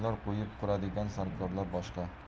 qo'yib quradigan sarkorlar boshqa